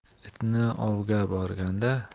itni ovga borganda